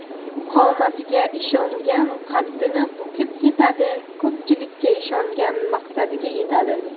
qomatiga ishongan qaddini bukib ketadi ko'pchilikka ishongan maqsadiga yetadi